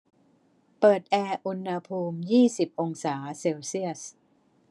เปิดแอร์อุณหภูมิยี่สิบองศาเซลเซียส